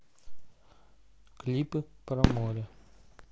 клипы про море